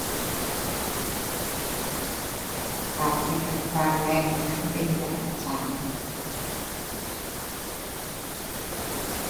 ปรับระดับความแรงน้ำเป็นระดับสาม